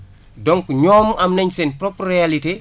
donc ñoom am nañ seen propre réalité